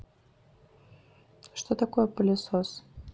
что такое полисос